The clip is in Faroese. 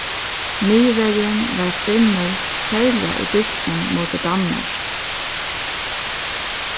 miðverjin var stinnur serliga í dystinum móti danmark